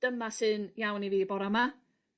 Dyma sy'n iawn i fi bora 'ma.